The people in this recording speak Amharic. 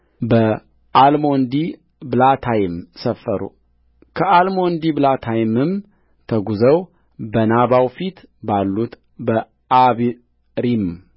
በዓልሞንዲብላታይም ሰፈሩከዓልሞንዲብላታይምም ተጕዘው በናባው ፊት ባሉ በዓብሪም